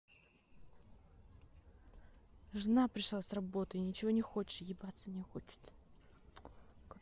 жена пришла с работы и ничего не хочешь ебаться не хочет